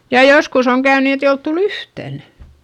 ja joskus on käynyt niin että ei ole tullut yhtään